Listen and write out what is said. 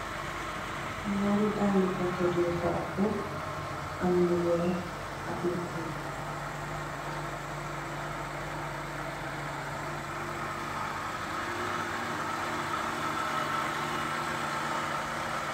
Ñaari dalli kóket yu xonxu am lu wèèx ak lu kèrem.